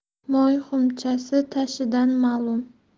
moy xumchasi tashidan ma'lum